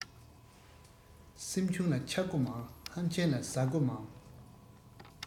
སེམས ཆུང ལ ཆགས སྒོ མང ཧམ ཆེན ལ ཟ སྒོ མང